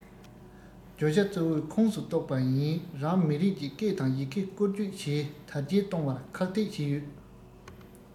བརྗོད བྱ གཙོ བོའི ཁོངས སུ གཏོགས པ ཡིན རང མི རིགས ཀྱི སྐད དང ཡི གེ བཀོལ སྤྱོད བྱས དར རྒྱས གཏོང བར ཁག ཐེག བྱས ཡོད